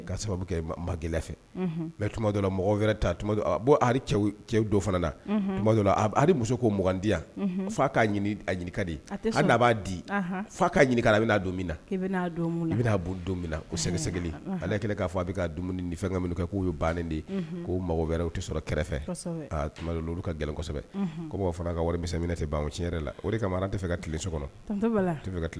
Muso di faa akaa b'a di faa ɲininka bɛna don i don min ko sɛsɛ ale k'a fɔ a bɛ ka dumuni fɛn ka minɛ kɛ k'u ye bannen de ye ko wɛrɛ o tɛ sɔrɔ kɛrɛfɛ tuma olu ka gɛlɛnsɛbɛ ko fana ka wari mi minɛ tɛ baa tiɲɛ la o de kama tɛ fɛ ka tile so kɔnɔ